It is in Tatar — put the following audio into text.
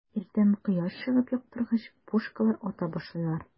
Иртән кояш чыгып яктыргач, пушкалар ата башлыйлар.